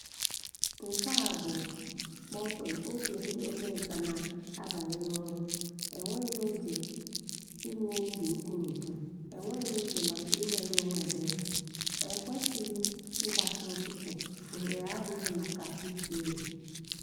Nke a bụ kpọmkwem oge ndị omenka na-abanye n'ọrụ. E nweghị oge inwe obi nkoropụ, e nweghị oge maka imere onwe ebere, e kwesịghị ịgbachi nkịtị, ohere adịghị maka ịtụ egwu.